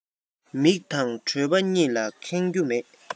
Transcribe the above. མིག དང གྲོད པ གཉིས ལ ཁེངས རྒྱུ མེད